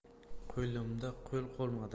qo'limda qo'l qolmadi